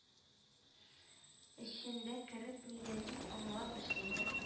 Эчендә кереп нигезен аңлап эшлим